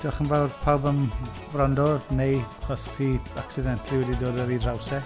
Diolch yn fawr pawb am wrando, neu os 'y chi accidentally wedi dod ar ei draws e.